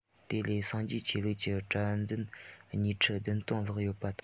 དེ ལས སངས རྒྱས ཆོས ལུགས ཀྱི གྲྭ བཙུན ཉིས ཁྲི བདུན སྟོང ལྷག ཡོད པ དང